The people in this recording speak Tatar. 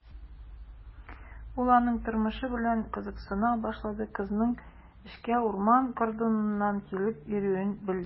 Ул аның тормышы белән кызыксына башлады, кызның эшкә урман кордоныннан килеп йөрүен белде.